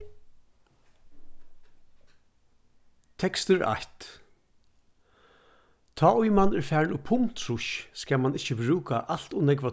tekstur eitt tá ið mann er farin upp um trýss skal mann ikki brúka alt ov nógva